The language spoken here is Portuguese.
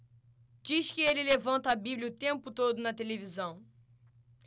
diz que ele levanta a bíblia o tempo todo na televisão